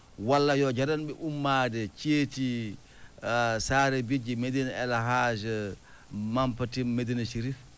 walla yo jaranɓe ummaade ceeti Sare Bijji Médine Elhadj Mampatine Médina Chérif